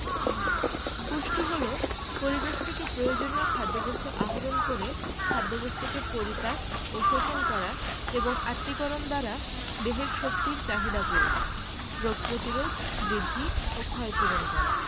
পুষ্টি হলো পরিবেশ থেকে প্রয়োজনীয় খাদ্যবস্তু আহরণ করে খাদ্যবস্তুকে পরিপাক ও শোষণ করা এবং আত্তীকরণ দ্বারা দেহের শক্তির চাহিদা পূরণ রোগ প্রতিরোধ বৃদ্ধি ও ক্ষয়পূরণ করা